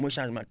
mooy changement